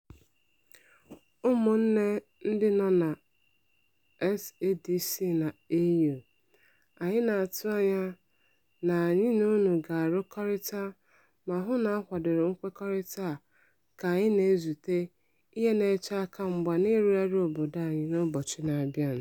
Ụmụnne ndị nọ na SADC na AU, anyị na-atụanya na anyị na unu ga-arụkọrịta ma hụ na a kwadoro nkwekọrịta a ka anyị na-ezute ihe na-eche akamgba n’ịrụgharị obodo anyị n’ụbọchị na-abịanụ.